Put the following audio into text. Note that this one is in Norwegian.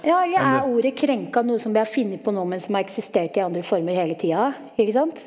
ja eller er ordet krenka noe som vi har funnet på nå men som har eksistert i andre former hele tida ikke sant.